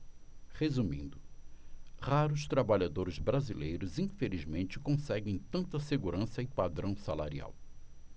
resumindo raros trabalhadores brasileiros infelizmente conseguem tanta segurança e padrão salarial